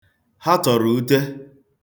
Ha tọrọ ute.